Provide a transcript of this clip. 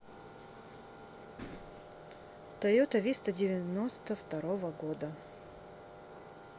тойота виста девяносто второго года